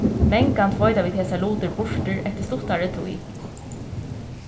mangan tveita vit hesar lutir burtur eftir stuttari tíð